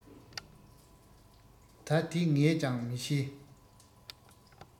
ད དེ ངས ཀྱང མི ཤེས